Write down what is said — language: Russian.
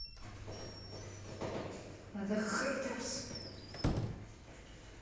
the hatters